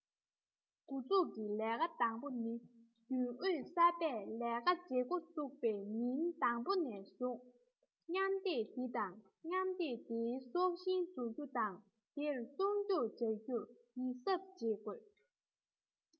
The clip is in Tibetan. འགོ འཛུགས ཀྱི ལས ཀ དང པོ ནི རྒྱུན ཨུད གསར པས ལས ཀ བྱེད འགོ བཙུགས པའི ཉིན དང པོ ནས བཟུང མཉམ སྡེབ དེ དང མཉམ སྡེབ དེའི སྲོག ཤིང འཛུགས རྒྱུ དང དེར སྲུང སྐྱོང བྱེད རྒྱུར ཡིད གཟབ བྱེད དགོས